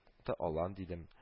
Ты алан, дидем